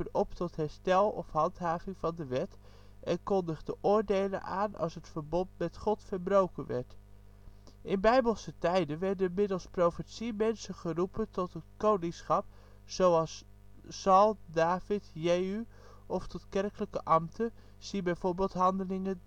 op tot herstel of handhaving van de Wet, en kondigde oordelen aan als het verbond met God verbroken werd. In Bijbelse tijden werden middels profetie mensen geroepen tot het koningschap (zoals Saul, David, Jehu) of tot kerkelijke ambten. (zie bijvoorbeeld Handelingen